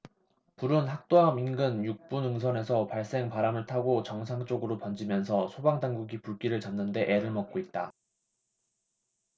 불은 학도암 인근 육 부 능선에서 발생 바람을 타고 정상 쪽으로 번지면서 소방당국이 불길을 잡는 데 애를 먹고 있다